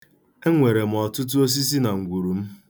Enwere m ọtụtụ osisi na ngwuru m.